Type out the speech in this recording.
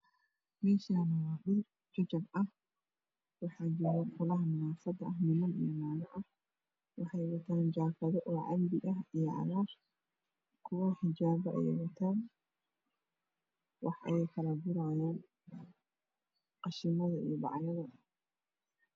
Meeshaani waa meel jajab ah waxaa joogo qolaha nadaafada oo niman iyo naago ah waxay wataan jaakado oo cambi ah iyo cagaar kuwana xijaabo ayey wataan waxay kala gurayaan qashimada iyo bacaha.